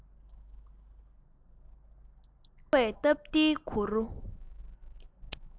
ཡུལ སྐོར བའི སྟབས བདེའི གུར